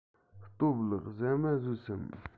སྟོབས ལགས ཟ མ ཟོས སམ